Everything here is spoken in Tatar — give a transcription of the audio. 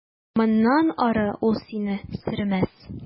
Моннан ары ул сине сөрмәс.